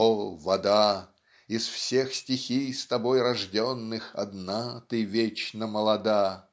О, вода, Из всех стихий, с тобой рожденных, Одна ты вечно молода.